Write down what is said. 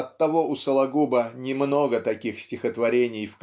Оттого у Сологуба немного таких стихотворений